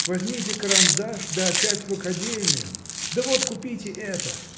Возьмите карандаш, да опять в академию — да вот купите это.